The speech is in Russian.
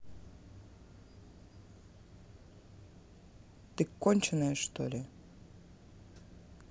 ты конченная что ли